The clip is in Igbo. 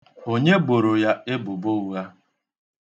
Onye boro ya ebubo ụgha?